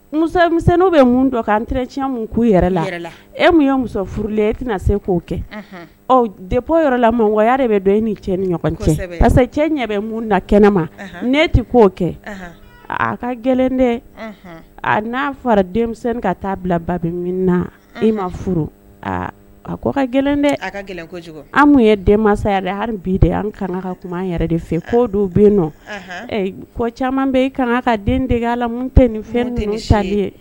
Musomisɛnw bɛ mun dɔn ka an ticya mun k'u yɛrɛ la e mun ye musof furulen e tɛna se k'o kɛ ɔ de yɔrɔ la maya de bɛ don e ni cɛ ni ɲɔgɔn cɛ parce que cɛ ɲɛ bɛ mun na kɛnɛ ma n e tɛ k'o kɛ a ka gɛlɛn de n'a fɔra denmisɛnnin ka taaa bila ba bɛ min na e ma furu a ka gɛlɛn dɛ ka gɛlɛn an ye denya bi de an ka kan ka kuma an yɛrɛ de fɛ' don bɛ nɔ ko caman bɛ e kan ka den dege ala tɛ ni fɛn tɛ ni sa ye